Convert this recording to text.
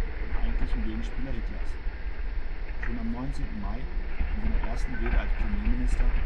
Gegenspieler Hitlers. Schon am 19. Mai, in seiner ersten Rede als Premierminister